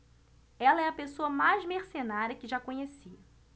ela é a pessoa mais mercenária que já conheci